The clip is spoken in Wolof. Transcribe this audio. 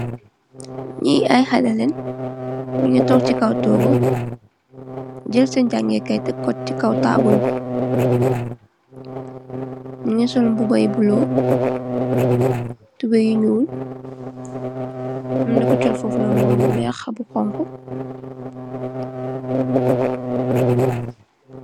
Nyi ay haleh lenj nyu ngi tog ci kaw togu jel Sen jangeh Kai teko ci kaw tabul bi nyu ngi sol mbuba yu bulo tubey yu nyool amna ku sol fofu non mbuba bu weex ak bu xonxu